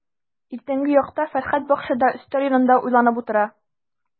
Иртәнге якта Фәрхәт бакчада өстәл янында уйланып утыра.